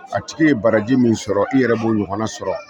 A tigi ye baraji min sɔrɔ i yɛrɛ b bɔ ɲɔgɔn sɔrɔ